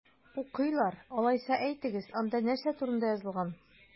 Укыйлар! Алайса, әйтегез, анда нәрсә турында язылган?